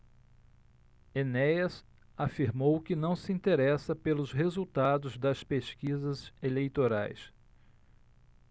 enéas afirmou que não se interessa pelos resultados das pesquisas eleitorais